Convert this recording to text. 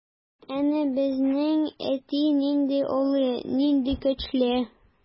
Әнә безнең әти нинди олы, нинди көчле.